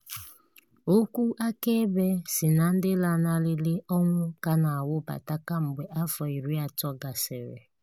Okwu akaebe si na ndị lanarịrị ọnwụ ka na-awụbata kemgbe afọ 30 gasịrị.